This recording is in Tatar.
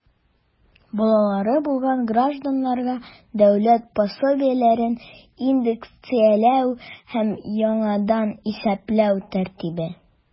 Балалары булган гражданнарга дәүләт пособиеләрен индексацияләү һәм яңадан исәпләү тәртибе.